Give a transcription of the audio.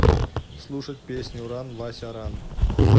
слушать песню ран вася ран